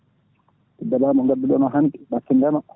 * no mbadduɗon e hanti batte ndeema